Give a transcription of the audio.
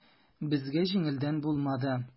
Безгә җиңелдән булмады.